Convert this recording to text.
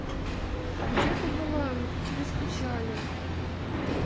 где ты была мы по тебе скучали